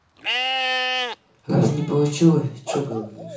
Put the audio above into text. раз не получилось че говоришь